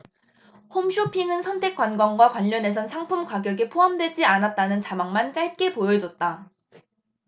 홈쇼핑은 선택관광과 관련해선 상품 가격에 포함되지 않았다는 자막만 짧게 보여줬다